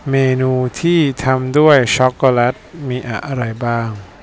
เมนูที่ทำด้วยช็อกโกแลตมีอะไรบ้าง